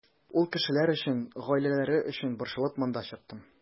Ул кешеләр өчен, гаиләләре өчен борчылып монда чыктым.